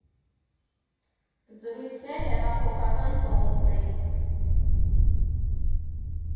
Զրույցներ՝ հեղափոխական փողոցներից։